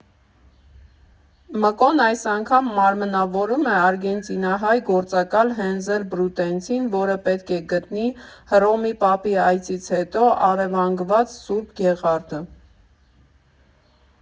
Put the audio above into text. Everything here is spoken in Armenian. Մկոն այս անգամ մարմնավորում է արգենտինահայ գործակալ Հենզել Բրուտենցին, որը պետք է գտնի Հռոմի Պապի այցից հետո առևանգված Սուրբ Գեղարդը։